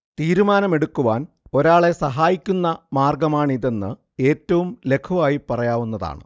തീരുമാനമെടുക്കുവാൻ ഒരാളെ സഹായിക്കുന്ന മാർഗ്ഗമാണിതെന്ന് ഏറ്റവും ലഘുവായി പറയാവുന്നതാണ്